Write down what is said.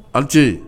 Aw ce